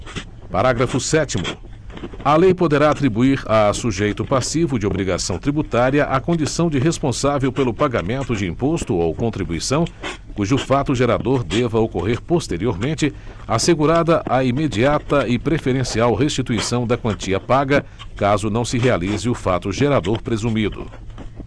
parágrafo sétimo a lei poderá atribuir a sujeito passivo de obrigação tributária a condição de responsável pelo pagamento de imposto ou contribuição cujo fato gerador deva ocorrer posteriormente assegurada a imediata e preferencial restituição da quantia paga caso não se realize o fato gerador presumido